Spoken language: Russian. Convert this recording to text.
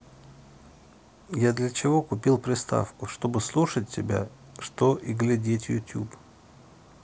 я для чего купил приставку чтобы слушать тебя что и глядеть youtube